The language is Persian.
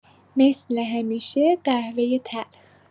مثل همیشه قهوۀ تلخ